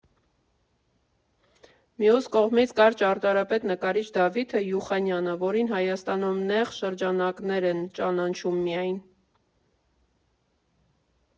Մյուս կողմից՝ կար ճարտարապետ, նկարիչ Դավիթը Յուխանյանը, որին Հայաստանում նեղ շրջանակներ են ճանաչում միայն։